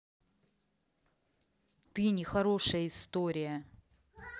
ты нехорошая история